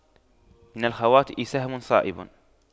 من الخواطئ سهم صائب